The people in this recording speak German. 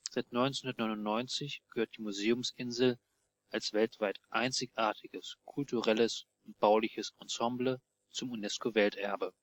Seit 1999 gehört die Museumsinsel als weltweit einzigartiges kulturelles und bauliches Ensemble zum UNESCO-Welterbe